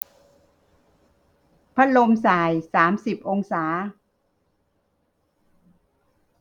พัดลมส่ายสามสิบองศา